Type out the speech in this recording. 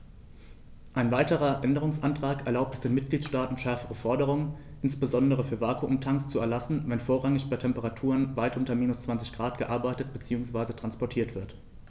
Ein weiterer Änderungsantrag erlaubt es den Mitgliedstaaten, schärfere Forderungen, insbesondere für Vakuumtanks, zu erlassen, wenn vorrangig bei Temperaturen weit unter minus 20º C gearbeitet bzw. transportiert wird.